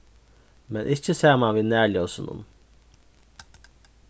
men ikki saman við nærljósunum